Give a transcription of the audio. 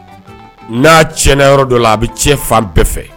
N'a ti yɔrɔ dɔ la a bɛ cɛ fan bɛɛ fɛ